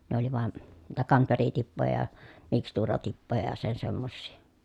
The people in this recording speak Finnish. ne oli vain niitä kamferitippoja ja mikstuuratippoja ja sen semmoisia